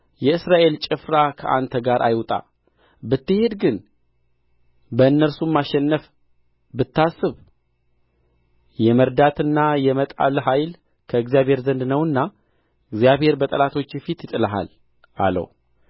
የእስራኤል ጭፍራ ከአንተ ጋር አይውጣ ብትሄድ ግን በእነርሱም ማሸነፍን ብታስብ የመርዳትና የመጣል ኃይል ከእግዚአብሔር ዘንድ ነውና እግዚአብሔር በጠላቶችህ ፊት ይጥልሃል አለው